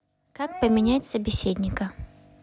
как поменять собеседника